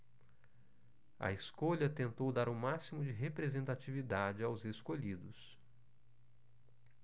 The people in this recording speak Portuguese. a escolha tentou dar o máximo de representatividade aos escolhidos